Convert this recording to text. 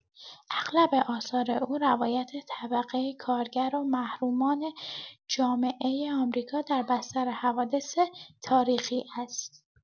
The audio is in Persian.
اغلب آثار او روایت طبقه کارگر و محرومان جامعه آمریکا در بستر حوادث تاریخی است.